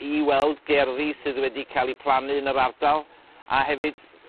i weld gerddi sydd wedi ca'l 'u plannu yn yr ardal a hefyd